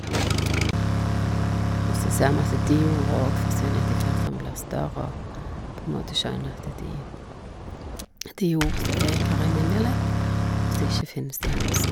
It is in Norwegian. Og så ser vi at de orda òg forsvinner etter hvert som han blir større og på en måte skjønner at de de er ord som jeg har i min dialekt, og som ikke finnes i hans.